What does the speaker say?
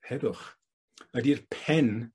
Heddwch? Ydi'r pen